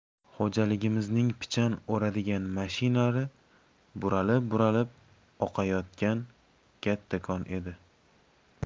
xo'jaligimizning pichan o'radigan mashinalari buralib buralib oqayotgan kattakon edi